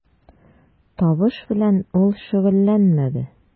Табыш белән ул шөгыльләнмәде.